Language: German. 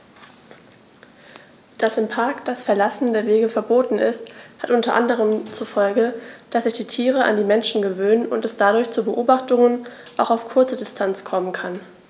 Dass im Park das Verlassen der Wege verboten ist, hat unter anderem zur Folge, dass sich die Tiere an die Menschen gewöhnen und es dadurch zu Beobachtungen auch auf kurze Distanz kommen kann.